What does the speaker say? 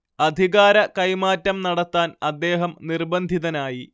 അധികാര കൈമാറ്റം നടത്താൻ അദ്ദേഹം നിർബന്ധിതനായി